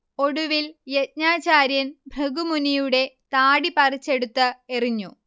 ഒടുവിൽ യജ്ഞാചാര്യൻ ഭൃഗുമുനിയുടെ താടി പറിച്ചെടുത്ത് എറിഞ്ഞു